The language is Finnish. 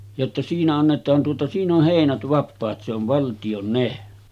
jotta siinä annetaan tuota siinä on heinät vapaat se on valtion ne